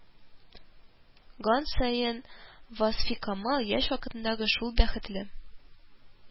Ган саен, васфикамал, яшь вакытындагы шул бәхетле